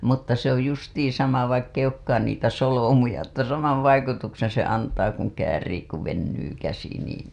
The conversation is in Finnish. mutta se oli justiin sama vaikka ei olekaan niitä solmuja että sama vaikutuksen se antaa kun käärii kun venyy käsi niin